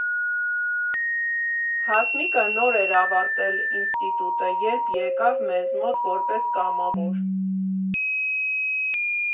Հասմիկը նոր էր ավարտել ինստիտուտը, երբ եկավ մեզ մոտ որպես կամավոր։